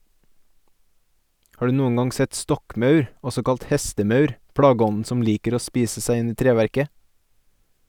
Har du noen gang sett stokkmaur, også kalt hestemaur, plageånden som liker å spise seg inn i treverket?